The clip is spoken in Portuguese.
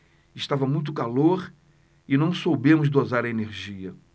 estava muito calor e não soubemos dosar a energia